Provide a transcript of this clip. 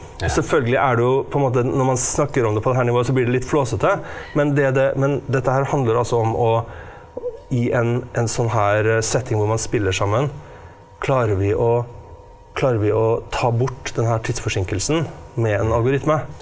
selvfølgelig er det jo på en måte når man snakker om det på det her nivået så blir det litt flåsete, men det det men dette her handler altså om å i en en sånn her setting hvor man spiller sammen, klarer vi å klarer vi å ta bort den her tidsforsinkelsen med en algoritme?